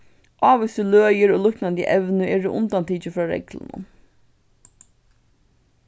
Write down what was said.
ávísir løgir og líknandi evnir eru undantikin frá reglunum